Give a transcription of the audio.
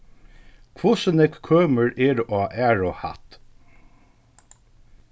hvussu nógv kømur eru á aðru hædd